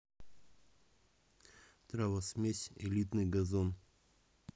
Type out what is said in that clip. травосмесь элитный газон